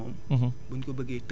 parce que jachère moom